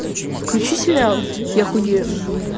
включи сериал я худею